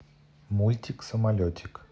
мультик самолетик